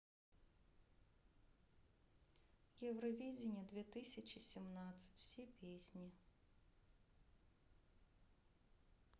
евровидение две тысячи семнадцать все песни